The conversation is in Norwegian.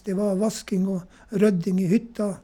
Det var vasking og rydding i hytta.